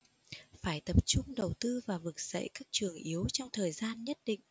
phải tập trung đầu tư và vực dậy các trường yếu trong thời gian nhất định